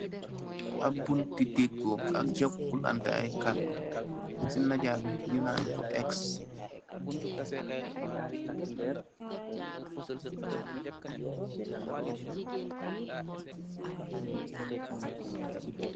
Am butti deggo ak jukulanteh ay xadu si mejà ñu nan ko X.